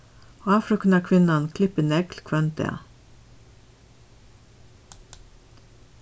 hárfríðkanarkvinnan klippir negl hvønn dag